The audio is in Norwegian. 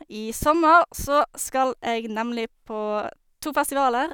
I sommer så skal jeg nemlig på to festivaler.